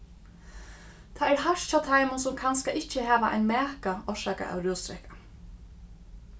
tað er hart hjá teimum sum kanska ikki hava ein maka orsakað av rúsdrekka